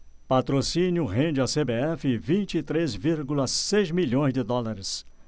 patrocínio rende à cbf vinte e três vírgula seis milhões de dólares